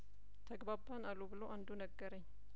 ተግባባን አሉ ብሎ አንዱ ነገረኝ